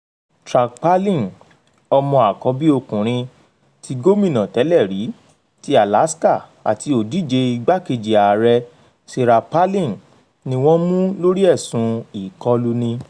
Track Palin, ọmọ àkọ́bí ọkùnrin tí gómìnà tẹlẹ̀ rí ti Alaska àti òdíje igbákejì Ààrẹ Sarah Palin, ni wọn mú lórí ẹsùn ìkọ̀luni.